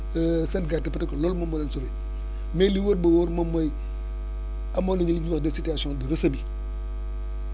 seen gerte peut être que loolu moom moo leen sauver mais li wóor ba wóor moom mooy amoon nañu li ñuy wax situation de resemis